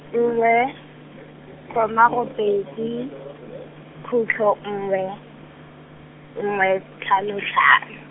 nngwe, comma robedi, khutlo nngwe, nngwe tlhano tlhano.